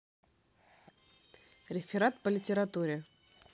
реферат по литературе